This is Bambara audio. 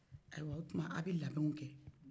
ayiwa o tuma a bɛ labɛnw kɛ